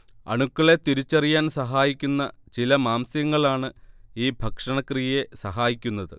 അണുക്കളെ തിരിച്ചറിയാൻ സഹായിക്കുന്ന ചില മാംസ്യങ്ങളാണ് ഈ ഭക്ഷണക്രിയയെ സഹായിക്കുന്നത്